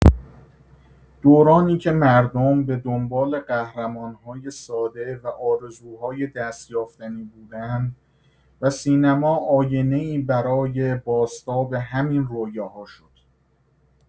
دورانی که مردم به دنبال قهرمان‌های ساده و آرزوهای دست‌یافتنی بودند و سینما آینه‌ای برای بازتاب همین رویاها شد.